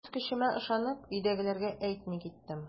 Үз көчемә ышанып, өйдәгеләргә әйтми киттем.